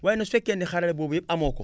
waaye nag su fekkee ne xarale boobu yëpp amoo ko